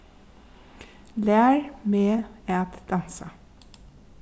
lær meg at dansa